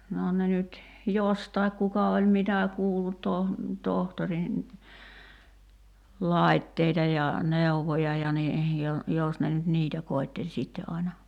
no ne nyt jostakin kuka oli mitä kuullut - tohtorin laitteita ja neuvoja ja niin - jos ne nyt niitä koetteli sitten aina